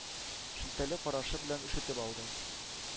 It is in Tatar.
Шелтәле карашы белән өшетеп алды.